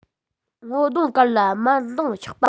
ངོ གདོང དཀར ལ དམར མདངས ཆགས པ